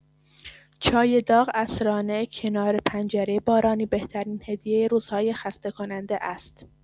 چای داغ عصرانه کنار پنجره بارانی بهترین هدیه روزهای خسته‌کننده است.